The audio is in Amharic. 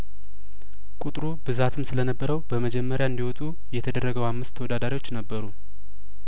ቁጥሩ ብዛትም ስለነበረው በመጀመሪያ እንዲወጡ የተደረገው አምስት ተወዳዳሪዎች ነበሩ